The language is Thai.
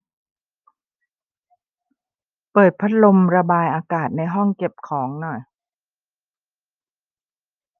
เปิดพัดลมระบายอากาศในห้องเก็บของหน่อย